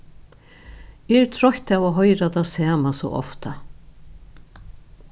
eg eri troytt av at hoyra tað sama so ofta